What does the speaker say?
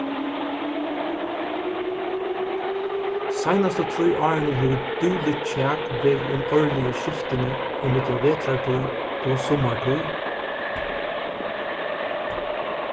seinastu trý árini hevur dúgligt kjak verið um árligu skiftini ímillum vetrartíð og summartíð